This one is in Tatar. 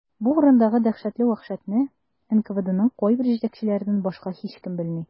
Бу урындагы дәһшәтле вәхшәтне НКВДның кайбер җитәкчеләреннән башка һичкем белми.